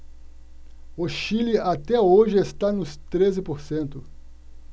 o chile até hoje está nos treze por cento